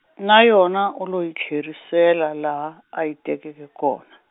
na yona u lo yi tlherisela laha, a yi tekeke kona.